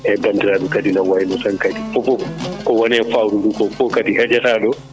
eyyi banndiraaɓe kadi ne wayno tan kadi fofoof kowone fawru ndu ko fof kadi heƴataɗo